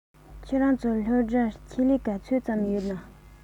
ཁྱོད རང ཚོའི སློབ གྲྭར ཆེད ལས ག ཚོད ཙམ ཡོད ན